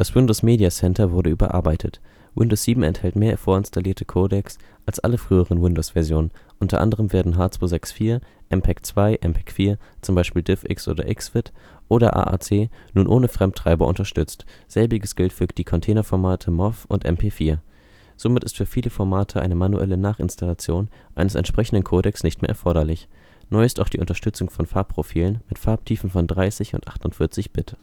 Windows Media Center wurde überarbeitet. Windows 7 enthält mehr vorinstallierte Codecs als alle früheren Windows-Versionen; unter anderem werden H.264, MPEG-2, MPEG-4 (zum Beispiel DivX und Xvid) oder AAC nun ohne Fremdtreiber unterstützt. Selbiges gilt für die Containerformate MOV und MP4. Somit ist für viele Formate eine manuelle Nachinstallation eines entsprechenden Codecs nicht mehr erforderlich. Neu ist auch die Unterstützung von Farbprofilen mit Farbtiefen von 30 und 48 Bit